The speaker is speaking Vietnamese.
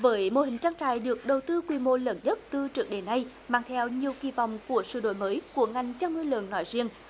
với mô hình trang trại được đầu tư quy mô lớn nhất từ trước đến nay mang theo nhiều kỳ vọng của sự đổi mới của ngành chăn nuôi lợn nói riêng